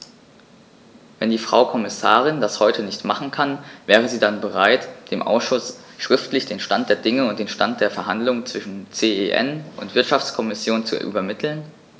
Wenn die Frau Kommissarin das heute nicht machen kann, wäre sie dann bereit, dem Ausschuss schriftlich den Stand der Dinge und den Stand der Verhandlungen zwischen CEN und Wirtschaftskommission zu übermitteln?